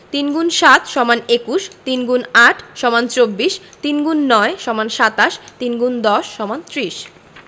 ৩ × ৭ = ২১ ৩ X ৮ = ২৪ ৩ X ৯ = ২৭ ৩ ×১০ = ৩০